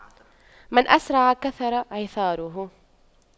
من أسرع كثر عثاره